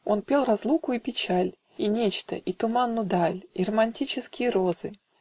Он пел разлуку и печаль, И нечто, и туманну даль, И романтические розы